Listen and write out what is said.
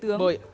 bơi